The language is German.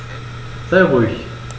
Sei ruhig.